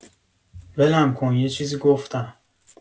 ولم کن یه چیزی گفتم